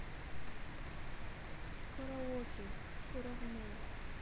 караоке все равно